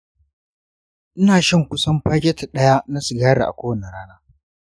ina shan kusan paketi ɗaya na sigari a kowace rana.